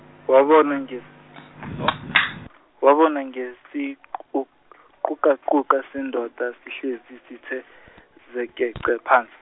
wabona nges- wabona ngesiqu- qukaquka sendoda sihlezi sithe, zekeche phansi.